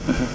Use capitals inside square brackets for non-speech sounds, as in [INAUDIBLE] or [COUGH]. [HESITATION] [HESITATION]